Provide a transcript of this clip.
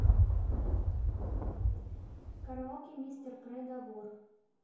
караоке мистер кредо вор